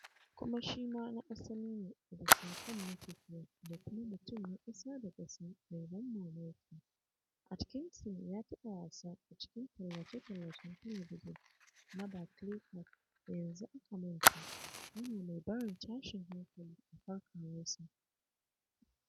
Kuma shi ma na asali ne a bisa kan matafiya da kuma mutum na ƙasa-da-ƙasa mai ban mamaki Atkinson ya taɓa wasa a cikin tallace-tallacen talabijin na Barclaycard da yanzu aka manta, yana mai barin tashin hankali a farkawarsa.